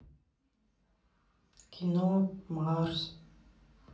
кино марс